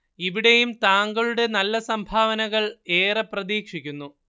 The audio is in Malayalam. ഇവിടെയും താങ്കളുടെ നല്ല സംഭാവനകൾ ഏറെ പ്രതീക്ഷിക്കുന്നു